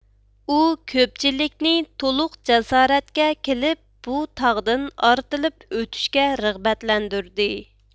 ئۇ كۆپچىلىكنى تولۇق جاسارەتكە كېلىپ بۇ تاغدىن ئارتىلىپ ئۆتۈشكە رىغبەتلەندۈردى